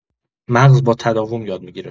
مغز با تداوم یاد می‌گیره.